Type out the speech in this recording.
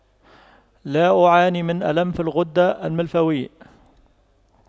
لا أعاني من ألم في الغدة الملفاوية